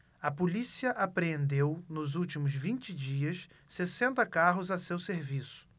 a polícia apreendeu nos últimos vinte dias sessenta carros a seu serviço